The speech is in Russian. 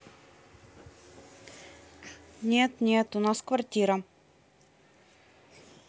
нет нет у нас квартира